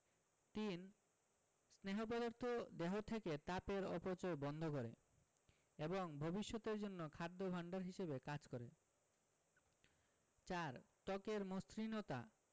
৩. স্নেহ পদার্থ দেহ থেকে তাপের অপচয় বন্ধ করে এবং ভবিষ্যতের জন্য খাদ্য ভাণ্ডার হিসেবে কাজ করে ৪. ত্বকের মসৃণতা